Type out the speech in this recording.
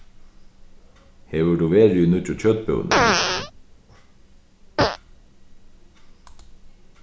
hevur tú verið í nýggju kjøtbúðini